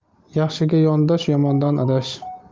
yaxshiga yondash yomondan adash